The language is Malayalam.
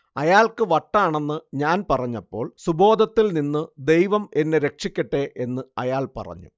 അയാൾക്ക് വട്ടാണെന്ന് ഞാൻ പറഞ്ഞപ്പോൾ സുബോധത്തിൽ നിന്ന് ദൈവം എന്നെ രക്ഷിക്കട്ടെ എന്ന് അയാൾ പറഞ്ഞു